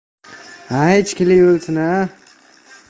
ichkilik o'lsin